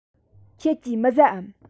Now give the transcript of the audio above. ཁྱེད ཀྱིས མི ཟ འམ